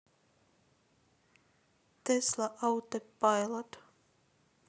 tesla autopilot